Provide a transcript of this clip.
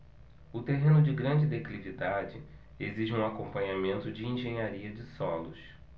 o terreno de grande declividade exige um acompanhamento de engenharia de solos